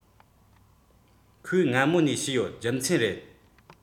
ཁོས སྔ མོ ནས ཤེས ཡོད རྒྱུ མཚན རེད